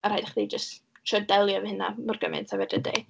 A rhaid i chdi jyst trio delio efo hynna mor gymaint a fedra di.